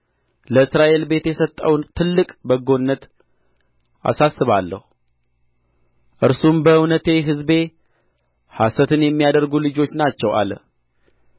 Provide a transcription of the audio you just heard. ለእስራኤል ቤት የሰጠውን ትልቅ በጎነት አሳስባለሁ እርሱም በእውነት ሕዝቤ ሐሰትን የማያደርጉ ልጆች ናቸው አለ